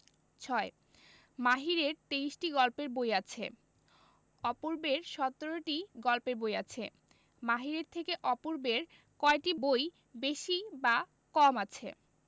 ৬ মাহিরের ২৩টি গল্পের বই আছে অপূর্বের ১৭টি গল্পের বই আছে মাহিরের থেকে অপূর্বের কয়টি বই বেশি বা কম আছে